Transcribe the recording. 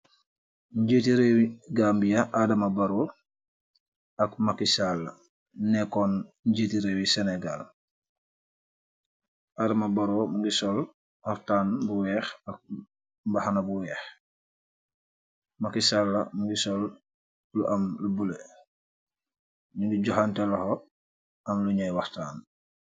Njiiti rëewi gambiya adama baro ak makisalla nekkoon njiiti rëew yi senegal aadama baro ngi sol xaftaan bu weex ak mbaxana bu weex makisala ngi sol lu am lu bule ñu ngi joxante laxo am luñay waxtaan.